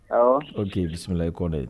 Awɔ, ok bisimila i Kɔnɛ